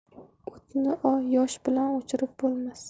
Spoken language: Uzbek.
o'tni yosh bilan o'chirib bo'lmas